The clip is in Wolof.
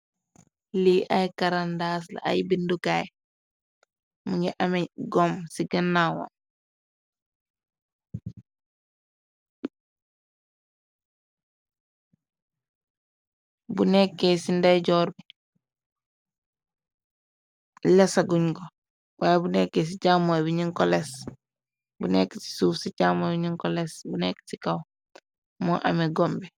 Lii ay karandaas la ay bindukaay mu ngi ame gom ci gënnawaom bu nekk ci nday joor bi lesa guñ ko waye bu nekk ci àmbu nekk ci suuf ci jàmmo bi nu ko les bu nekk ci kaw moo amé gombi.